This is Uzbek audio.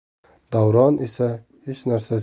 davron esa hech narsa